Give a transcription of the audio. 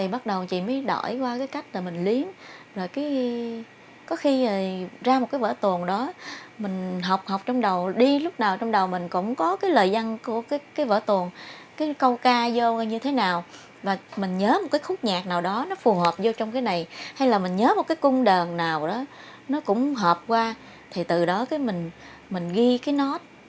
thì bắt đầu chị mới đổi qua cái cách là mình luyến rồi cái có khi thì ra một cái vở tuồng đó mình học học trong đầu đi lúc nào trong đầu mình cũng có cái lời văn của cái cái vở tuồng cái câu ca dô như thế nào và mình nhớ một cái khúc nhạc nào đó nó phù hợp dô trong cái này hay là mình nhớ một cái cung đờn nào đó nó cũng hợp qua thì từ đó cái mình mình ghi cái nốt